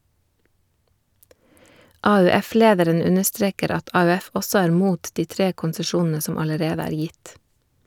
AUF-lederen understreker at AUF også er mot de tre konsesjonene som allerede er gitt.